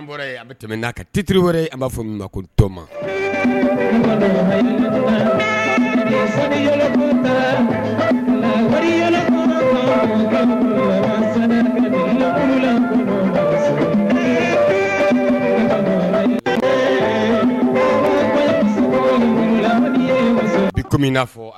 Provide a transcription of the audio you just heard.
Tiri b'a fɔtomaa fɔ